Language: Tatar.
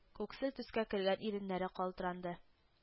Күксел төскә кергән иреннәре калтыранды